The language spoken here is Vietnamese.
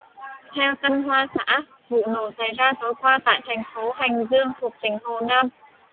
theo tân hoa xã vụ nổ xảy ra tối qua tại thành phố hành dương thuộc tỉnh hồ nam